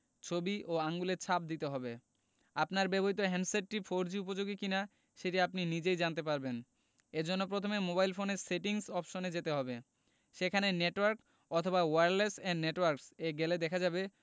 ছবি ও আঙুলের ছাপ দিতে হবে আপনার ব্যবহৃত হ্যান্ডসেটটি ফোরজি উপযোগী কিনা সেটি আপনি নিজেই জানতে পারবেন এ জন্য প্রথমে মোবাইল ফোনের সেটিংস অপশনে যেতে হবে সেখানে নেটওয়ার্ক অথবা ওয়্যারলেস অ্যান্ড নেটওয়ার্কস এ গেলে দেখা যাবে